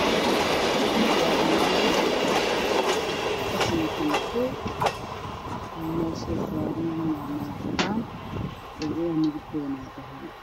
Waa dhego dhago la sameysan kul waxay saaran yihiin miis cadaana waxayna ku jiraan kartaan caddaan ah